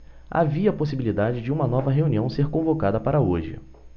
havia possibilidade de uma nova reunião ser convocada para hoje